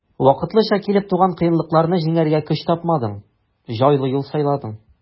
Вакытлыча килеп туган кыенлыкларны җиңәргә көч тапмадың, җайлы юл сайладың.